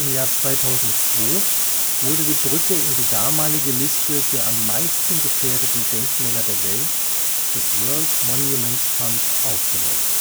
Jahr 2002 wurde die Brücke in die damalige Liste der am meisten gefährdeten Denkmäler der Welt des World Monuments Fund aufgenommen